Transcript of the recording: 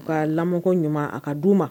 U ka lamɔ ɲuman a ka d' u ma